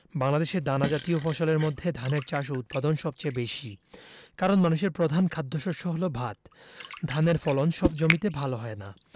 বাংলাদেশে দানাজাতীয় ফসলের মধ্যে ধানের চাষ ও উৎপাদন সবচেয়ে বেশি কারন মানুষের প্রধান খাদ্যশস্য হলো ভাত ধানের ফলন সব জমিতে ভালো হয় না